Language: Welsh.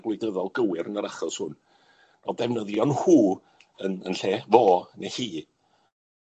gwleidyddol gywir yn yr achos hwn, o ddefnyddio nhw yn yn lle fo ne' hi.